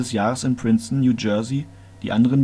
Jahres in Princeton, New Jersey, die andere